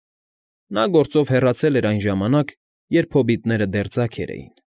Նա գործով հեռացել էր այն ժամանակ, երբ հոբիտները դեռ ձագեր էին։